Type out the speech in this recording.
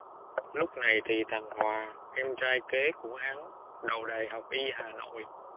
lúc này thì thằng hòa em trai kế của hắn đậu đại học y hà nội